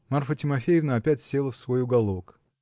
Марфа Тимофеевна опять села в свой уголок.